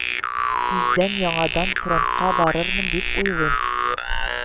Тиздән яңадан фронтка барырмын дип уйлыйм